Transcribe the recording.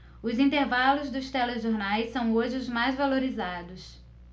os intervalos dos telejornais são hoje os mais valorizados